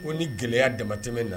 O ni gɛlɛyaya damatɛmɛ na